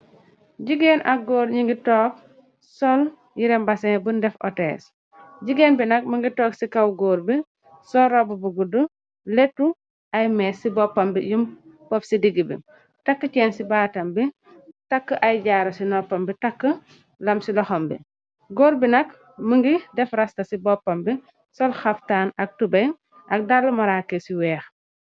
jigeen ak goor nyu ngi tog sol yereh mbasin bunj def otess jigeen bi nak mungi tog si kaw goor bi sol robu bu gudu letu ay mess si bopam bi yum pof si digibi takeu chéen si batam bi takeu ay jaru si nopam bi takeu lam si lokhom bi goor bi nak mungi def rasta si bopam bi sol khaftan ak tubey ak daleu marakis yu weex